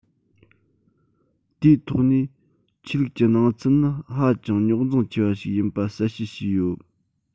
དེའི ཐོག ནས ཆོས ལུགས ཀྱི སྣང ཚུལ ནི ཧ ཅང རྙོག འཛིང ཆེ བ ཞིག ཡིན པ གསལ བཤད བྱས ཡོད